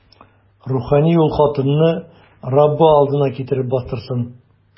Рухани ул хатынны Раббы алдына китереп бастырсын.